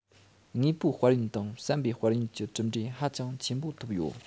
དངོས པོའི དཔལ ཡོན དང བསམ པའི དཔལ ཡོན གྱི གྲུབ འབྲས ཧ ཅང ཆེན པོ ཐོབ ཡོད